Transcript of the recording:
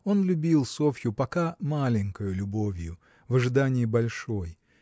Он любил Софью пока маленькою любовью, в ожидании большой.